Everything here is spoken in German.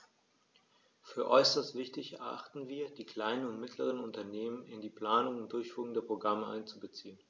Für äußerst wichtig erachten wir, die kleinen und mittleren Unternehmen in die Planung und Durchführung der Programme einzubeziehen.